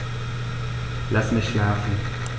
Lass mich schlafen